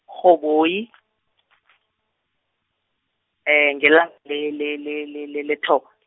-Rhoboyi, ngelanga le- le- le- le- le- lethoba.